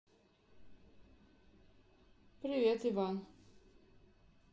привет иван